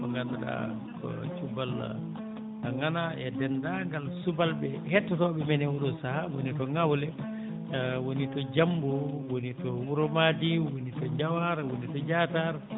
mo ngannduɗaa ko cuballo ŋanaa e denndaangal subalɓe hettotooɓe men e oo ɗoo sahaa woni to ŋawle woni ti Diambo woni to wuro Madiw woni to Diawara woni to Diatar